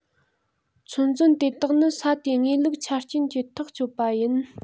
ཚོད འཛིན དེ དག ནི ས དེའི དངོས ལུགས ཆ རྐྱེན གྱིས ཐག གཅོད པ ཡིན